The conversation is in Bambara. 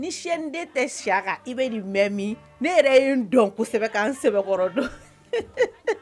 Ni sɛden tɛ siya kan i bɛ nin bɛ min ne yɛrɛ ye dɔnsɛbɛ sɛbɛnbɛkɔrɔ dɔn